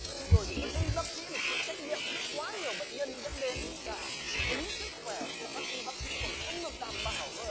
rồi thì các y bác sĩ phải chịu trách nhiệm trước quá nhiều bệnh nhân dẫn đến dạ chính sức khỏe của các y bác sĩ còn không được đảm bảo cơ ạ